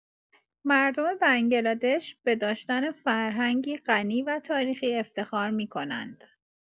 مردم بنگلادش به داشتن فرهنگی غنی و تاریخی افتخار می‌کنند.